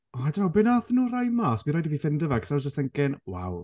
O I don't know, be wnaethon nhw roi mas? Bydd raid i fi ffeindio fe, cos I was just thinking, wow...